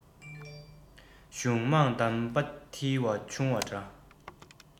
གཞུང མང གདམས པ མཐིལ དུ ཕྱུང བ འདྲ